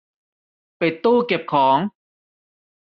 ปิดตู้เก็บของ